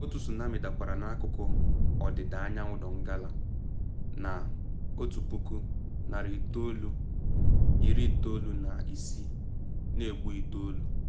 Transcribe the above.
Otu tsunami dakwara n’akụkụ ọdịda anyanwụ Donggala na 1996, na egbu itoolu.